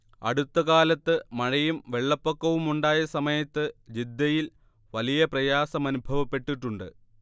അടുത്ത കാലത്ത് മഴയും വെള്ളപ്പൊക്കവുമുണ്ടായ സമയത്ത് ജിദ്ദയിൽ വലിയ പ്രയാസമനുഭവപ്പെട്ടിട്ടുണ്ട്